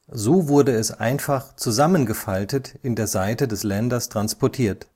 So wurde es einfach zusammengefaltet in der Seite des Landers transportiert